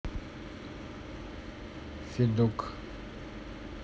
feduk